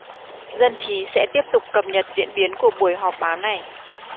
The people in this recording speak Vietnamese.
dân trí sẽ tiếp tục cập nhật diễn biến của buổi họp báo này